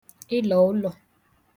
ịlọ̀ ụlọ̀